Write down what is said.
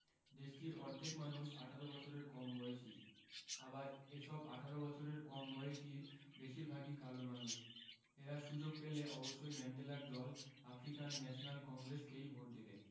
দেশটির অর্ধেক মানুষ ১৮ বছরের কম বয়সী আবার এসব ১৮ বছরের কম বয়সীর বেশির ভাগই কালো মানুষ এরা সুযোগ পেলে অবশ্যই ম্যান্ডেলার দল আফ্রিকান ন্যাশনাল কংগ্রেসকেই ভোট দেবে